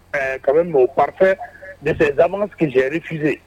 Ɛɛ kabini bon pa dese dama sigisɛrifise